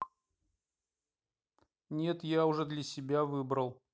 нет я уже для себя выбрал